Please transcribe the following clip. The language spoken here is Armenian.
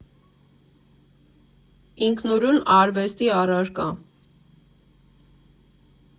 Ինքնուրույն արվեստի առարկա։